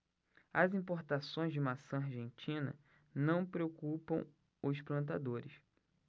as importações de maçã argentina não preocupam os plantadores